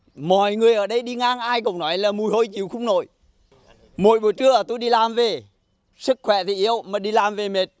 mọi người ở đây đi ngang ai cũng nói là mùi hôi chịu không nổi mỗi buổi trưa ở tui đi làm về sức khỏe thì yếu mà đi làm về mệt